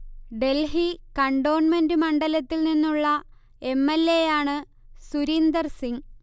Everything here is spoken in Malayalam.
ഡൽഹി കണ്ടോൺമെന്ര് മണ്ഡലത്തിൽ നിന്നുള്ള എം. എൽ. എ. യാണ് സുരിന്ദർ സിങ്